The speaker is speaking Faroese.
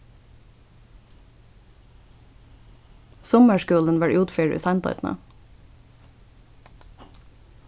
summarskúlin var útferð í sandoynni